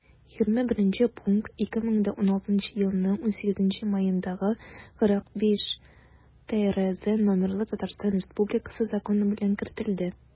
21 пункт 2016 елның 18 маендагы 45-трз номерлы татарстан республикасы законы белән кертелде